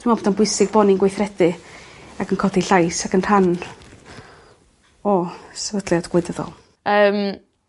Dwi'n me'wl bod o'n bwysig bo' ni'n gweithredu ac yn codi llais ac yn rhan o sefydliad gwleidyddol. Yym.